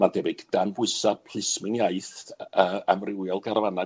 Ma'n debyg dan bwysa plismyn iaith yy amrywiol garafanau